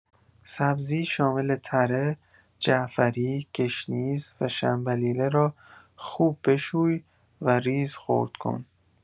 سبزی شامل تره، جعفری، گشنیز و شنبلیله را خوب بشوی وریز خرد کن.